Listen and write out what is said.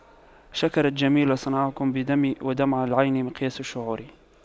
شكرت جميل صنعكم بدمعي ودمع العين مقياس الشعور